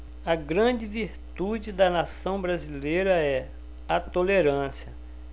a grande virtude da nação brasileira é a tolerância